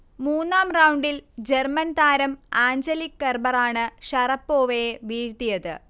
മൂന്നാം റൗണ്ടിൽ ജർമൻ താരം ആഞ്ചലിക് കെർബറാണ് ഷറപ്പോവയെ വീഴ്ത്തിയത്